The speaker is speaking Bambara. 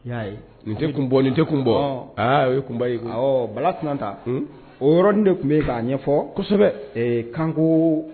I y'a ye, nin tɛ kun bɛ nin tɛ kun bɔ Bɔ tɛ bɔ, ɔn aa o ye kunba ye koyi, awɔ Bala Tunanta, o yɔrɔnin de tun bɛ yen k'a ɲɛfɔ, kosɛbɛ ee kanko